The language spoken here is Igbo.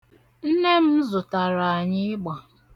Nne m zụtara anyị ịgba.